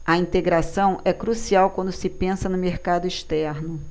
a integração é crucial quando se pensa no mercado externo